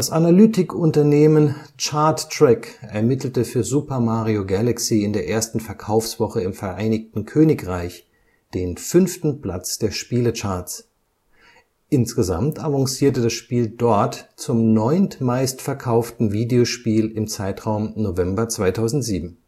Analytikunternehmen Chart-Track ermittelte für Super Mario Galaxy in der ersten Verkaufswoche im Vereinigten Königreich den fünften Platz der Spielecharts. Insgesamt avancierte das Spiel dort zum neuntmeistverkauften Videospiel im Zeitraum November 2007